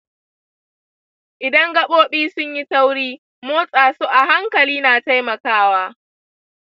idan gaɓoɓi sun yi tauri, motsa su a hankali na taimakawa.